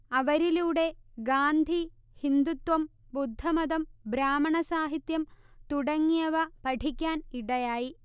അവരിലുടെ ഗാന്ധി ഹിന്ദുത്വം ബുദ്ധമതം ബ്രാഹ്മണ സാഹിത്യം തുടങ്ങിയവ പഠിക്കാൻ ഇടയായി